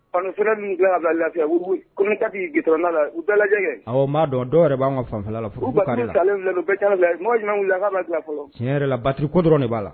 Kɔnɔf ninnu tila la lafiyaurutigi gta' la u dalajɛkɛ maa dɔn dɔw yɛrɛ b'an ka fangafɛla la furu don bɛɛ mɔgɔ ɲuman la ka ka bila fɔlɔ tiɲɛ yɛrɛ la bari ko dɔrɔn de b'a la